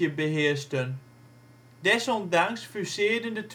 beheersten. Desondanks fuseerden de